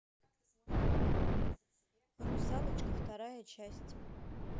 русалочка вторая часть